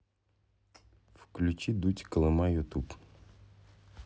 включи дудь колыма ютуб